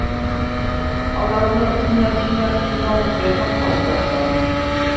Аларны һөнәрчеләр шунда ук ясап та утырачак.